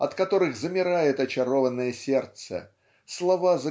от которых замирает очарованное сердце слова